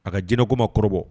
A ka jinɛkoma kɔrɔbɔ